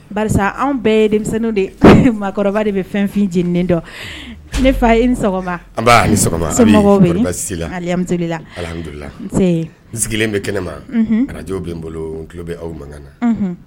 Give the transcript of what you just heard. Anw bɛɛ ye denmisɛnnin de yekɔrɔba de bɛ fɛnfin jeni dɔn ne fa i ni alimi sigilen bɛ kɛnɛma araj bɛ bolo tulolo bɛ aw man na